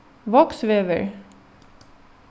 vágsvegur